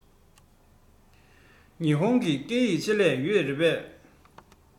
ཉི ཧོང གི སྐད ཡིག ཆེད ལས ཡོད རེད པས